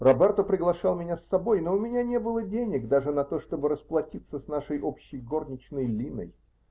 Роберто приглашал меня с собой -- но у меня не было денег даже на то, чтобы расплатиться с нашей общей горничной Линой.